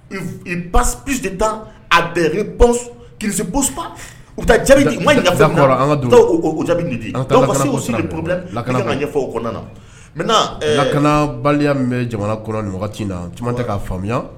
Taa a bɛɛ kisi bo u di ka ɲɛfɔw n ka kana bali bɛ jamana kɔnɔ ni na caman tɛ k'a faamuya